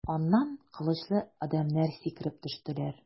Аннан кылычлы адәмнәр сикереп төштеләр.